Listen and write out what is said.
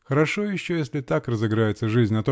Хорошо еще, если так разыграется жизнь!